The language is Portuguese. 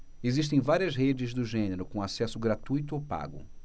existem várias redes do gênero com acesso gratuito ou pago